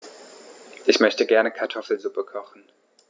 Ich möchte gerne Kartoffelsuppe kochen.